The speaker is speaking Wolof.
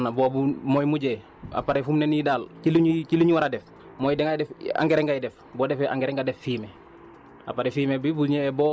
boobu engrais guñ ko boobu des na boobu mooy mujjee après fu mu ne nii daal ci li ñuy ci li ñu war a def mooy dangay def engrais ngay def boo defee engrais nga def fumier